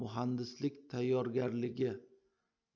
muhandislik tayyorgarligi